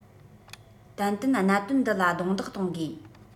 ཏན ཏན གནད དོན འདི ལ རྡུང རྡེག གཏོང དགོས